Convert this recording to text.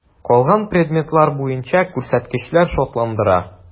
Калган предметлар буенча күрсәткечләр шатландыра.